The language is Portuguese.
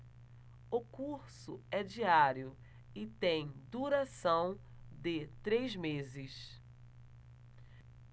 o curso é diário e tem duração de três meses